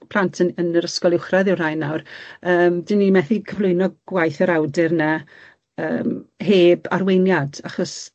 Plant yn yn yr ysgol uwchradd yw'r rhain nawr yym 'dan ni methu cyflwyno gwaith yr awdur 'ny yym heb arweiniad achos